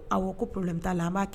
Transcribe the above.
A ko porolɛ bɛ taa la an b'a tɛ